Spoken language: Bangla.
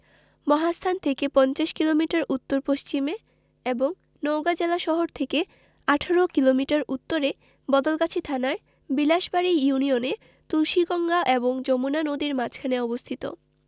মহাস্থান থেকে পঞ্চাশ কিলোমিটার উত্তর পশ্চিমে এবং নওগাঁ জেলাশহর থেকে ১৮ কিলোমিটার উত্তরে বদলগাছি থানার বিলাসবাড়ি ইউনিয়নে তুলসীগঙ্গা এবং যমুনা নদীর মাঝখানে অবস্থিত